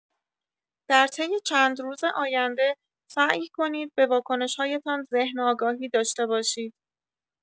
در طی چند روز آینده سعی کنید به واکنش‌هایتان ذهن‌آگاهی داشته باشید.